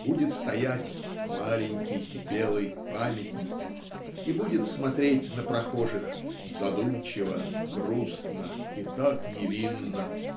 будет стоять "маленький белый памятник" и будет смотреть на прохожих "задумчиво грустно и так невинно